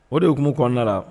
O de yekumu kɔnɔnana la